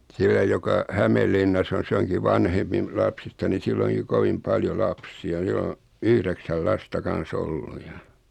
sillä joka Hämeenlinnassa on se onkin vanhempi - lapsista niin sillä onkin kovin paljon lapsia sillä on yhdeksän lasta kanssa ollut ja